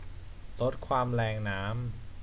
ลดความแรงน้ำ